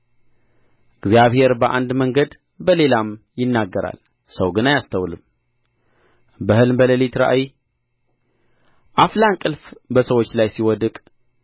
እግዚአብሔር በአንድ መንገድ በሌላም ይናገራል ሰው ግን አያስተውለውም በሕልም በሌሊት ራእይ አፍላ እንቅልፍ በሰዎች ላይ ሲወድቅ